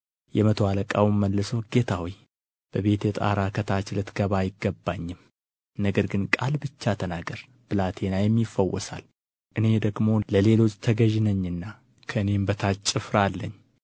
የመቶ አለቃውም መልሶ ጌታ ሆይ በቤቴ ጣራ ከታች ልትገባ አይገባኝም ነገር ግን ቃል ብቻ ተናገር ብላቴናዬም ይፈወሳል እኔ ደግሞ ለሌሎች ተገዥ ነኝና ከእኔም በታች ጭፍራ አለኝ